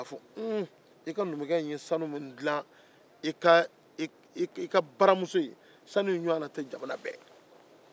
i ka numukɛ ye sanu min dila i ka baramuso ye sanu in ɲɔgɔn tɛ jamana bɛɛ